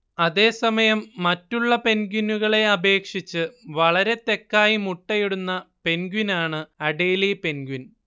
അതേസമയം മറ്റുള്ള പെൻഗ്വിനുകളെ അപേക്ഷിച്ച് വളരെ തെക്കായി മുട്ടയിടുന്ന പെൻഗ്വിനാണ് അഡേലി പെൻഗ്വിൻ